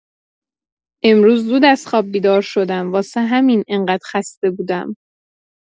امروز زود از خواب بیدار شدم واسه همین انقد خسته بودم.